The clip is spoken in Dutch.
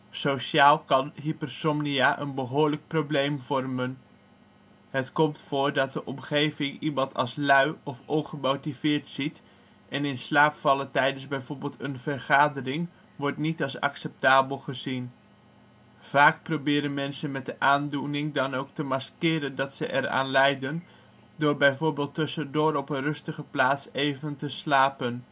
Sociaal kan hypersomnia een behoorlijk probleem vormen. Het komt voor dat de omgeving iemand als lui of ongemotiveerd ziet en in slaap vallen tijdens bijvoorbeeld een vergadering wordt niet als acceptabel gezien. Vaak proberen mensen met de aandoening dan ook te maskeren dat ze eraan lijden door bijvoorbeeld tussendoor op een rustige plaats even te slapen